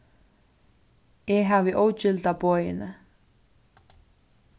eg havi ógildað boðini